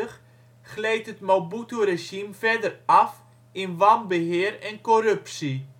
1980 gleed het Mobutu-regime verder af in wanbeheer en corruptie